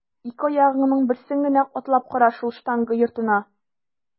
Ике аягыңның берсен генә атлап кара шул штанга йортына!